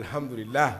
Alihamidulila